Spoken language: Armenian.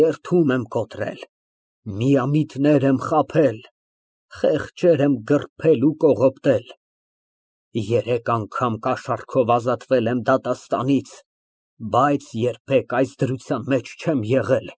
Երդում եմ կոտրել, միամիտներ եմ խաբել, խեղճեր եմ գռփել ու կողոպտել, երեք անգամ կաշառքով ազատվել եմ դատաստանից, բայց երբեք այս դրության մեջ չեմ եղել։